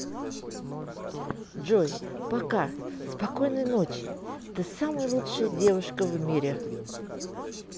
джой пока спокойной ночи ты самая лучшая девушка в мире